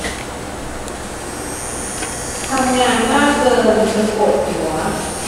ทำงานมากเกินจนปวดหัว